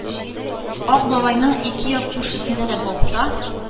Ак бабайның ике як күршесендә дә балта,